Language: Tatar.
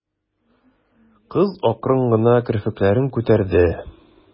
Кыз акрын гына керфекләрен күтәрде.